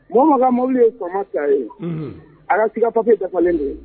Bon makan mobili ye kɔ caya ye a ka ska papife dafalen de ye